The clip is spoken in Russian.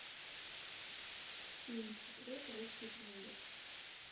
фильм секрет русский трейлер